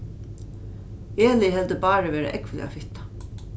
eli heldur báru vera ógvuliga fitta